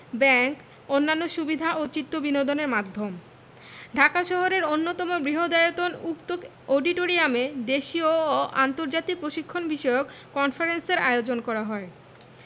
bank অন্যান্য সুবিধা ও চিত্তবিনোদনের মাধ্যম ঢাকা শহরের অন্যতম বৃহদায়তন উক্ত অডিটোরিয়ামে দেশীয় ও আন্তর্জাতিক প্রশিক্ষণ বিষয়ক কনফারেন্সের আয়োজন করা হয়